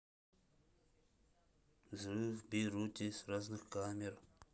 взрыв в бейруте с разных камер